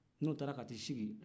n'o tara ka t'i sigi